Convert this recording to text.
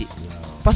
waawaw